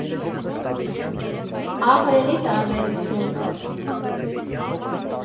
Ահռելի տարբերություն կա։